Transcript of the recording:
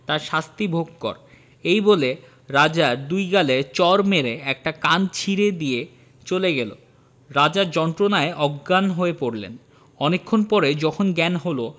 তার শাস্তি ভোগ কর এই বলে রাজার দুই গালে চড় মেরে একটা কান ছিড়ে দিয়ে চলে গেল রাজা যন্ত্রনায় অজ্ঞান হয়ে পড়লেন অনেকক্ষণ পরে যখন জ্ঞান হল